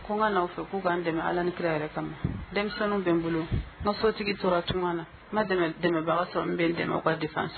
Ko n ka n'aw fɛ k'u ka dɛmɛ ala ni kira yɛrɛ kama denmisɛnninw bɛ n bolo n ma fɔtigi tora tun na n ma dɛmɛbaga sɔrɔ n bɛ dɛmɛ wari defa